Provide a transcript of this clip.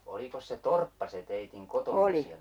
olikos se torppa se teidän kotonne siellä